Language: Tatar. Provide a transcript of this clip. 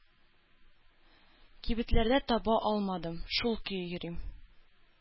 Кибетләрдә таба алмадым, шул көе йөрим.